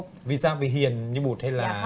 vì sao vì hiền như bụt hay là